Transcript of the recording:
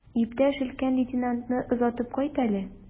Иптәш өлкән лейтенантны озатып кайт әле.